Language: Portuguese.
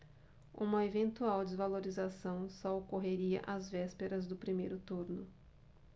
uma eventual desvalorização só ocorreria às vésperas do primeiro turno